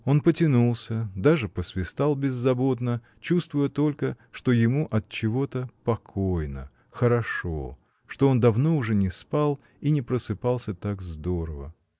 Он потянулся, даже посвистал беззаботно, чувствуя только, что ему от чего-то покойно, хорошо, что он давно уже не спал и не просыпался так здорово.